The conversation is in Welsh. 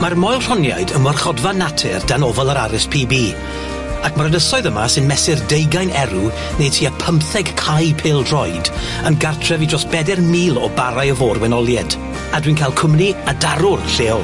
Mae'r Moel-rhoniaid yn warchodfa natur 'dan ofal yr are ess pee bee, ac ma'r ynysoedd yma sy'n mesur deugain erw neu tua pymtheg cae pêl-droed yn gartref i dros beder mil o barau o fôr-wenolied, a dwi'n cael cwmni adarwr lleol.